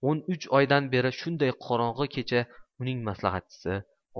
un uch oydan beri shunday qorong'i kecha uning maslahatchisi